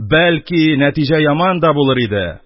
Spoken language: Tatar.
Бәлки нәтиҗә яман да булыр иде.